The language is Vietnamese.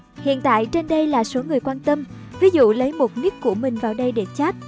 hiện tại trên đây là số người quan tâm ví dụ lấy nick của mình vào đây để chat